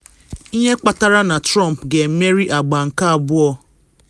Ihe Kpatara Na Trump Ga-emeri Agba Nke Abụọ